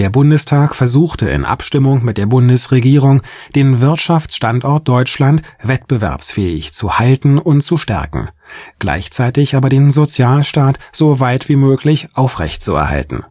Bundestag versuchte in Abstimmung mit der Bundesregierung, den Wirtschaftsstandort Deutschland wettbewerbsfähig zu halten und zu stärken, gleichzeitig aber den Sozialstaat so weit wie möglich aufrechtzuerhalten